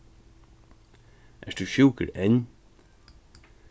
ert tú sjúkur enn